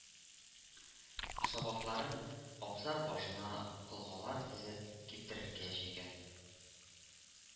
Сабакларын, абзар башына колгалар тезеп, киптерергә җәйгән